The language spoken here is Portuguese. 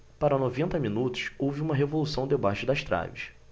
para noventa minutos houve uma revolução debaixo das traves